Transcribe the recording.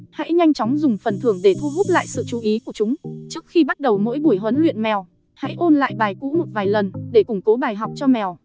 hãy nhanh chóng dùng phần thưởng để thu hút lại sự chú ý của chúng trước khi bắt đầu mỗi buổi huấn luyện mèo hãy ôn lại bài cũ một vài lần để củng cố bài học cho mèo